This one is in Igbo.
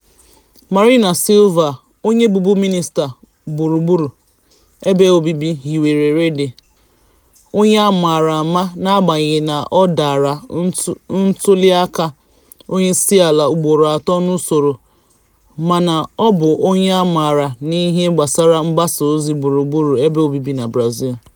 Marina Silva, onye bụbu Mịnịsta Gburugburu Ebe Obibi, hiwere Rede, onye a maara ama n'agbanyeghị na ọ dara ntuliaka onyeisiala ugboro atọ n'usoro, mana ọ bụ onye a maara n'ihe gbasara mgbasaozi gburugburu ebe obibi na Brazil.